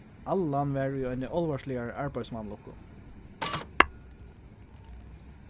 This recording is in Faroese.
allan var í eini álvarsligari arbeiðsvanlukku